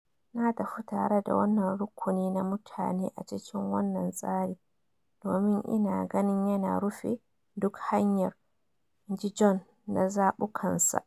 "Na tafi tare da wannan rukuni na mutane a cikin wannan tsari domin ina ganin yana rufe duk hanyar," in ji Bjorn na zabukansa.